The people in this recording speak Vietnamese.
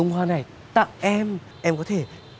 bông hoa này tặng em em có thể